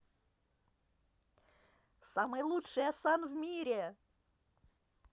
самый лучший асан в мире